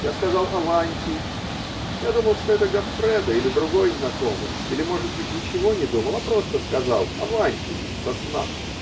Я сказал "аванти" -- я думал, что это Гоффредо, или другой знакомый, или, может быть, ничего не думал, а просто сказал "аванти" со сна.